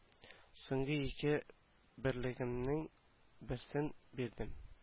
Соңгы ике берлегемнең берсен бирдем